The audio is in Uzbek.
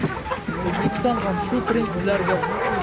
o'zbekiston ham shu printsiplarga rioya etgan